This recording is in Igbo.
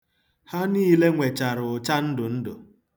Ha niile nwechara ụcha ndụndụ.